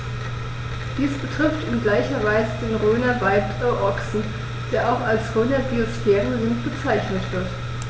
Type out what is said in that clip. Dies betrifft in gleicher Weise den Rhöner Weideochsen, der auch als Rhöner Biosphärenrind bezeichnet wird.